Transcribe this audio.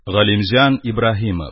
Галимҗан Ибраһимов